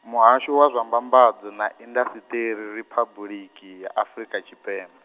Muhasho wa zwa Mbambadzo na indasiṱiri Riphabuḽiki ya Afrika Tshipembe.